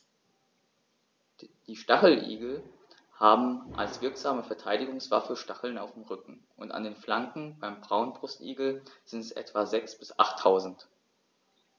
Die Stacheligel haben als wirksame Verteidigungswaffe Stacheln am Rücken und an den Flanken (beim Braunbrustigel sind es etwa sechs- bis achttausend).